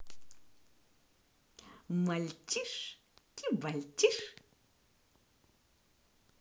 мальчиш кибальчиш